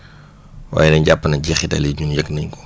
waaye nañ jàpp ne jeexital yi ñun yëg nañ ko